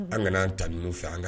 An kana an ta n fɛ an k'an